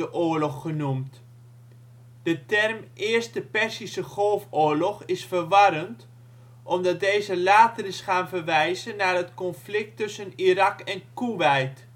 oorlog genoemd. De term Eerste Perzische Golfoorlog is verwarrend omdat deze later is gaan verwijzen naar het conflict tussen Irak en Koeweit